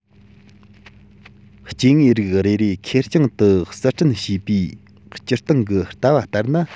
སྐྱེ དངོས རིགས རེ རེ ཁེར རྐྱང དུ གསར སྐྲུན བྱས པའི སྤྱིར བཏང གི ལྟ བ ལྟར ན